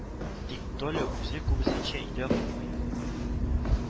Тик Толя үзе күбесенчә өйдә булмый